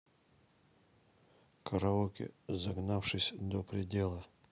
караоке загнавшись до предела